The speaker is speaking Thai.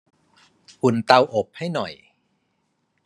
อุ่นเตาอบให้หน่อย